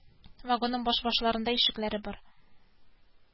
Вагонның баш-башларында ишекләре бар